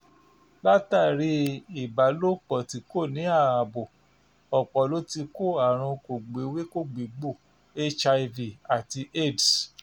Látàrí ìbálòpọ̀ tí kò ní ààbò, ọ̀pọ̀ l'ó ti kó àrùn kògbéwékògbègbó HIV àti AIDS.